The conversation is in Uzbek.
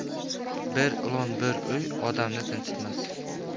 bir ilon bir uy odamni tinchitmas